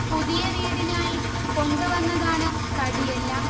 പുതിയ വീടിനായി കൊണ്ടു വന്നതാണ് തടിയെല്ലാം